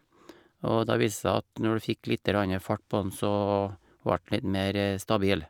Og da vise det seg at når du fikk lite grann fart på den, så vart den litt mer stabil.